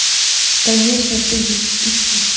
конечно ты же тупица